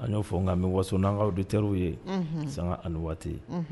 An y'o fɔ nka bɛ waso n'an ka auditeurs _ye, unhun, sanga ani waati ye.